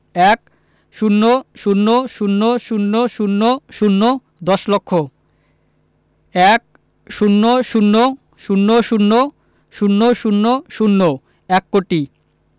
১০০০০০০ দশ লক্ষ ১০০০০০০০ এক কোটি